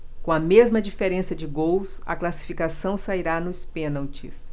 com a mesma diferença de gols a classificação sairá nos pênaltis